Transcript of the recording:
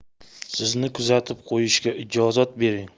sizni kuzatib qo'yishga ijozat bering